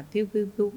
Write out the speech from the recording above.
tew pew pew!